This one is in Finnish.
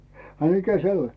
a mikä se oli